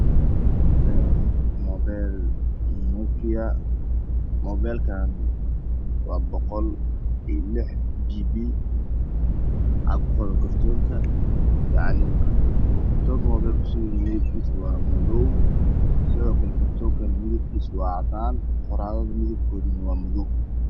Moobeel nookiya moobeelkaan waa boqol iyo lix jii bii waxaa ku qoran kartoonka yacnii kartoonka moobeelka ku sugan yahay midab kiisu waa madow sidoo kale kartoonkaan midab kiisu waa cadaan qoraaladu midab koodu waa madow